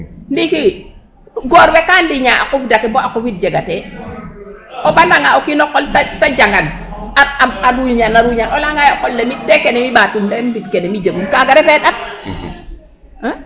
Ndiiki goor we ka ndiña a qufid ake bo qufid jegatee a ɓandanga o kiin a qol ta jangan a ruuñan a ruuñan o layanga qol lee mi' te kene mi' ɓatun ten mbiit kene mi' jegun kaaga refee ƭat.